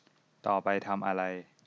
ต่อไปทำอะไร